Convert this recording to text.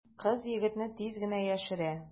Кыз егетне тиз генә яшерә.